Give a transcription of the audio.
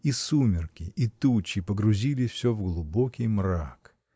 И сумерки, и тучи погрузили всё в глубокий мрак.